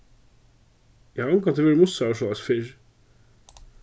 eg havi ongantíð verið mussaður soleiðis fyrr